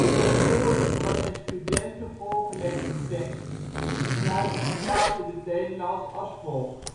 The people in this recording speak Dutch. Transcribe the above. door Forer aan zijn studenten voorgelegde tekst luidde als volgt